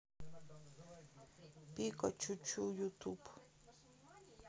пика чучу ютуб